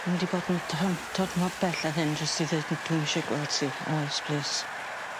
Ma' n'w bod 'n d-hon dod mor bell a hyn jyst i ddeud n- dwi'm isie gweld ti oes plîs.